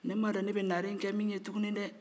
ne man dɔn ne bɛ naare in kɛ mun ye tun dɛɛ